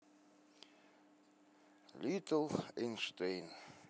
литл эйнштейн